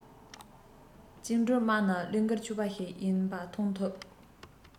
བཅིངས འགྲོལ དམག ནི བློས འགེལ ཆོག པ ཞིག ཡིན པ མཐོང ཐུབ